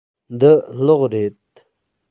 འདི གློག རེད